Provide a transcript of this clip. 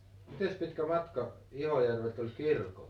mitenkäs pitkä matka Ihojärveltä oli kirkolle